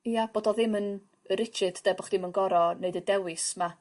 ia bod o ddim yn yrigid 'de bo' chdi'm yn gor'o' neud y dewis 'ma